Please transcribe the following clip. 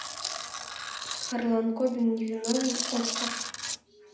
харлан кобен невиновен okko